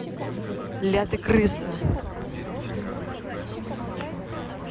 ля ты крыса